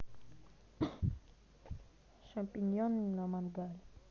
шампиньоны на мангале